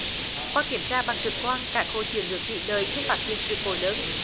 qua kiểm tra bằng trực quang các hồ chứa nước thủy lợi chưa phát hiện sự cố lớn